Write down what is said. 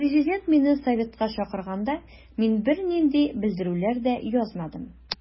Президент мине советка чакырганда мин бернинди белдерүләр дә язмадым.